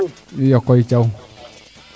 iyo koy Thiaw \